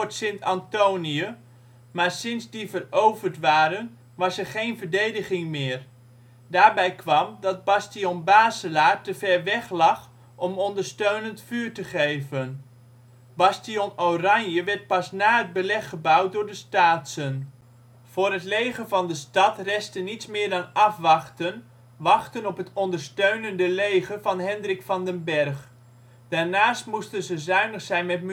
Sint-Anthonie, maar sinds die veroverd waren, was er geen verdediging meer. Daarbij kwam, dat Bastion Baselaar te ver weg lag om ondersteunend vuur te geven. Bastion Oranje werd pas na het Beleg gebouwd door de Staatsen. Voor het leger van de stad restte niets meer dan afwachten - wachten op het ondersteunende leger van Hendrik van den Bergh. Daarnaast moesten ze zuinig zijn met